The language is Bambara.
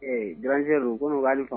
Ee grande sœur ko ne k’a ni fama.